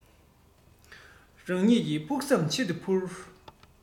རང ཉིད ཀྱི ཕུགས བསམ ཆེད དུ འཕུར